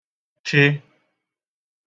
chị